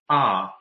a